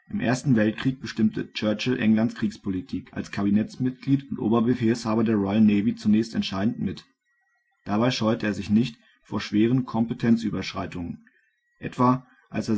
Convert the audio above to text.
Im 1. Weltkrieg bestimmte Churchill Englands Kriegspolitik als Kabinettsmitglied und Oberbefehlshaber der Royal Navy zunächst entscheidend mit. Dabei scheute er sich nicht vor schweren Kompetenzüberschreitungen, etwa als